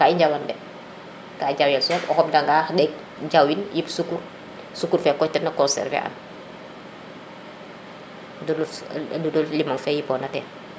ka i njawan de ka jaweel soom o xob danga ɓek jawin yip sukur sukur fe koy tena conserver an ludul limoŋ fe yipona ten